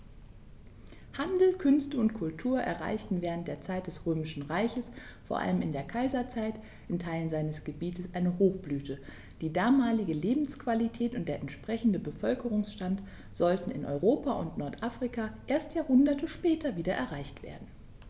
Handel, Künste und Kultur erreichten während der Zeit des Römischen Reiches, vor allem in der Kaiserzeit, in Teilen seines Gebietes eine Hochblüte, die damalige Lebensqualität und der entsprechende Bevölkerungsstand sollten in Europa und Nordafrika erst Jahrhunderte später wieder erreicht werden.